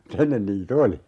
mutta ennen niitä oli